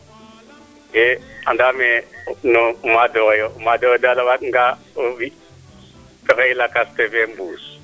andaa me no maado xe yoo o maado xe daal a waaga nga fi fexey lakas tefe mbuus